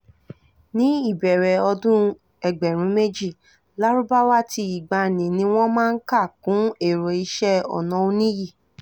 Ní ìbẹ̀rẹ̀ ọdún 2000, Lárùbáwá ti ìgbànnì ni wọ́n máa ń kà kún èrò iṣẹ́ ọnà "oníyì".